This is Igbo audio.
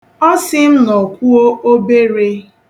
Ọ sị m nọkwuo obere.